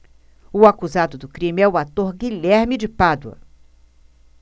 o acusado do crime é o ator guilherme de pádua